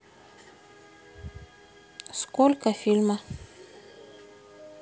сколько фильма